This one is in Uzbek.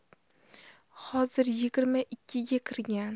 hozir yigirma ikkiga kirgan